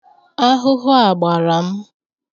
Ahụhụ a gbara m.